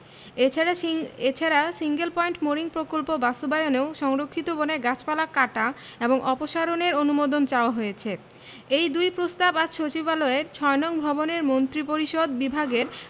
এছাড়া এছাড়া single point mooring প্রকল্প বাস্তবায়নেও সংরক্ষিত বনের গাছপালা কাটা এবং অপসারণের অনুমোদন চাওয়া হয়েছে এ দুই প্রস্তাব আজ সচিবালয়ের ৬ নং ভবনের মন্ত্রিপরিষদ বিভাগের